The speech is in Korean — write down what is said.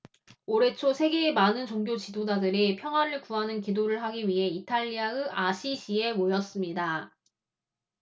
올해 초 세계의 많은 종교 지도자들이 평화를 구하는 기도를 하기 위해 이탈리아의 아시시에 모였습니다